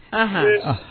Hhɔn